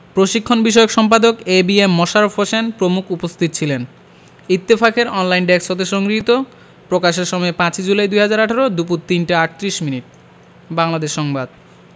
প্রশিক্ষণ বিষয়ক সম্পাদক A B M Mosharraf Hossain প্রমুখ উপস্থিত ছিলেন ইত্তফাকের অনলাইন ডেক্স হতে সংগৃহীত প্রকাশের সময় ৫ ই জুলাই ২০১৮ দুপুর ৩টা ৩৮ মিনিট বাংলাদেশ সংবাদ